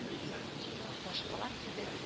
Башкалар кебек